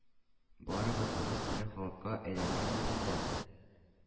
Барыбер «урыс телле халык»ка әйләнәмдер инде.